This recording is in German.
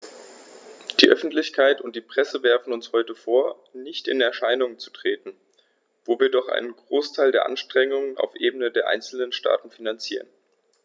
Die Öffentlichkeit und die Presse werfen uns heute vor, nicht in Erscheinung zu treten, wo wir doch einen Großteil der Anstrengungen auf Ebene der einzelnen Staaten finanzieren.